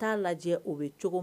U taa'a lajɛ o bɛ cogo min